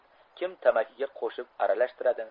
kim tamakiga qo'shib aralashtiradi